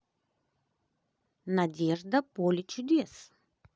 надежда поле чудес